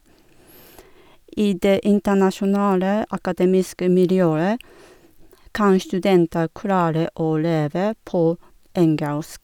I det internasjonale akademiske miljøet kan studenter klare å leve på engelsk.